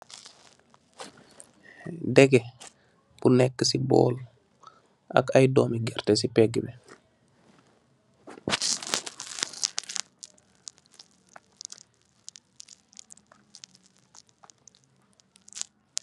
Degeh, bu nek si bowl ak aye doomi gerteh si pegh bi.